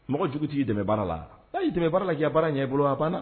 Mɔgɔ jugu t'i dɛmɛ i ka baara la, n'a y'i dɛmɛ baara la, k'i baara ɲɛna i bolo, a banna.